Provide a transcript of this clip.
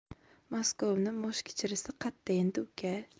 moskovni moshkichirisi qatta endi uka